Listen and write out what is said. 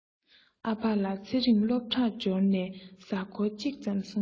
ཨ ཕ ལ ཚེ རིང སློབ གྲྭར འབྱོར ནས གཟའ འཁོར གཅིག ཙམ སོང ཟིན